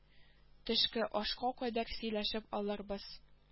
Төшке ашка кадәр сөйләшеп алырбыз